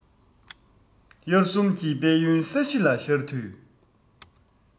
དབྱར གསུམ གྱི དཔལ ཡོན ས གཞི ལ ཤར དུས